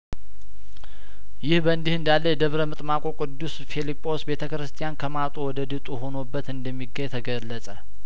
ይህ በእንዲህ እንዳለ የደብረምጥማቅ ቅዱስ ፊልጶስ ቤተ ክርስቲያን ከማጡ ወደ ድጡ ሁኖበት እንደሚገኝ ተገለጸ